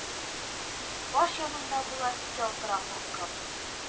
Баш янында болар икәү тора куркып,